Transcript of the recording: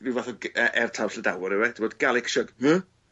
ryw fath o Gy- yy er taw Llydawr yw e t'bod Gallic Shrug. Hy?